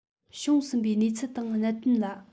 བྱུང ཟིན པའི གནས ཚུལ དང གནད དོན ལ